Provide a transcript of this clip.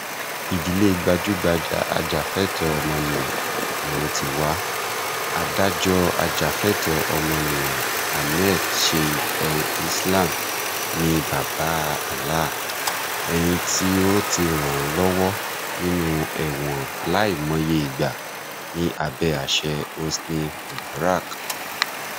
Ìdílé gbajúgbajà ajàfúnẹ̀tọ́ ọmọnìyàn ni ó ti wà, adájọ́ ajàfúnẹ̀tọ́ ọmọnìyàn Ahmed Seif El Islam, ni bàbáa Alaa, ẹni tí a ti rán lọ ní ẹ̀wọ̀n láì mọye ìgbà ní abẹ́ àṣẹ Hosni Mubarak.